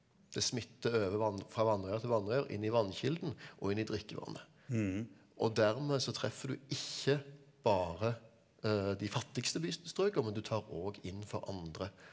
det smitter over fra vannrør til vannrør inn i vannkilden og inn i drikkevannet og dermed så treffer du ikke bare de fattigste bystrøka men du tar óg inn for andre.